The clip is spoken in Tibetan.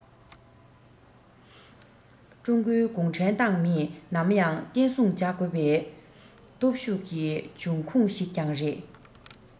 ཀྲུང གོའི གུང ཁྲན ཏང མིས ནམ ཡང བརྟན སྲུང བྱ དགོས པའི སྟོབས ཤུགས ཀྱི འབྱུང ཁུངས ཤིག ཀྱང རེད